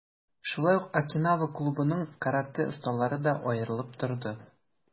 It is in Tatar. Шулай ук, "Окинава" клубының каратэ осталары да аерылып торды.